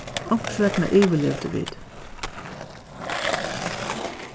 onkursvegna yvirlivdu vit